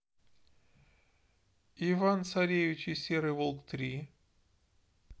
иван царевич и серый волк три